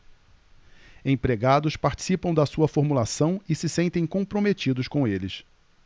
empregados participam da sua formulação e se sentem comprometidos com eles